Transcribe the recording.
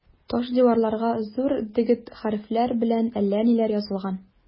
Таш диварларга зур дегет хәрефләр белән әллә ниләр язылган.